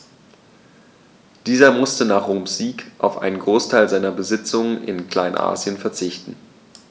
Dieser musste nach Roms Sieg auf einen Großteil seiner Besitzungen in Kleinasien verzichten.